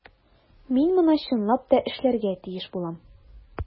Мин моны чынлап та эшләргә тиеш булам.